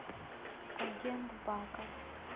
агент баков